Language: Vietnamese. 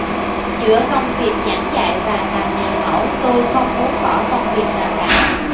giữa công việc giảng dạy và làm người mẫu tôi không muốn bỏ công việc nào cả